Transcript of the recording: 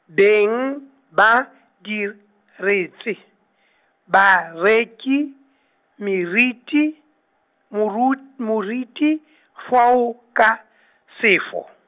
beng, ba, diretse, bareki, meriti, morut- moriti , foo, ka, sefo.